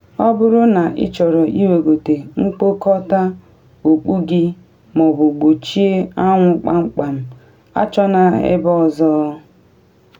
Ọ bụrụ na ị chọrọ iwegote mkpokọta okpu gị ma ọ bụ gbochie anwụ kpamkpam, achọna ebe ọzọ.